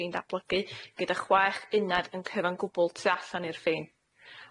ffin datblygu gyda chwech uned yn cyfan gwbwl tu allan i'r ffin.